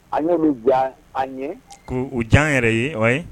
An ye nin diya an ye o jan yɛrɛ ye ye